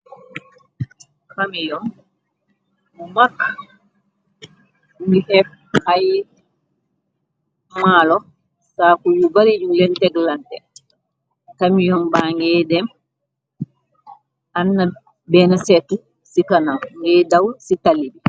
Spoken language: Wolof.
Xayi bu mag mi xef xay maalo saaku yu bari yu leen teg lante tamiyom ba ngee dem ann benn setu ci kana ngey daw ci tali bi.